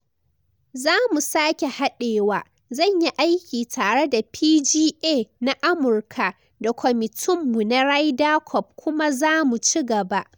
Za mu sake haɗewa, zan yi aiki tare da PGA na Amurka da kwamitinmu na Ryder Cup kuma za mu ci gaba.